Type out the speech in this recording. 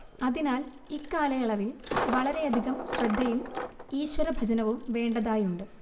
അതിനാൽ ഇക്കാലയളവിൽ വളരെയധികം ശ്രദ്ധയും ഈശ്വരഭജനവും വേണ്ടതായുണ്ട്